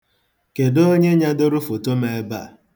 Kedụ onye nyadoro foto m ebe a?